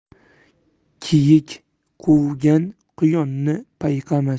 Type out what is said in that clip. kiyik quvgan quyonni payqamas